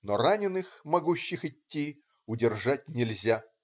Но раненых, могущих идти, удержать нельзя.